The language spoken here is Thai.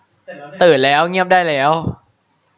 ตื่นแล้วเงียบได้แล้ว